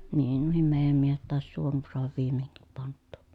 niin nuokin meidän miehet taisi suon saada viimeinkin pantua